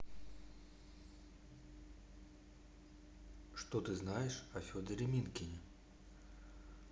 что ты знаешь о федоре минкине